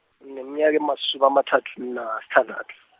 ngineminyaka emasumi amathathu, nasithandathu .